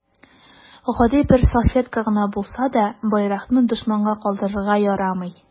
Гади бер салфетка гына булса да, байракны дошманга калдырырга ярамый.